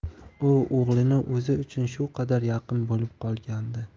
u o'g'lini o'zi uchun shu qadar yaqin bo'lib qolgandi